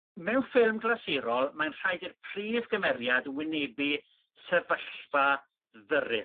Mewn ffilm glasurol mae'n rhaid i'r prif gymeriad wynebu sefyllfa ddyrus